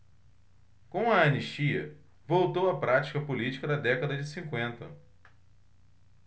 com a anistia voltou a prática política da década de cinquenta